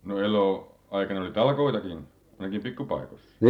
no - eloaikana oli talkoitakin ainakin pikkupaikoissa